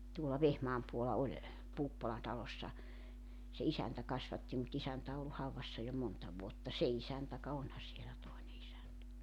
tuolla Vehmaan puolella oli Puuppolan talossa se isäntä kasvatti mutta isäntä on ollut haudassa jo monta vuotta se isäntä ka onhan siellä toinen isäntä